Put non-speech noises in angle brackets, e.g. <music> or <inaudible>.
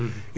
<hesitation> <hesitation>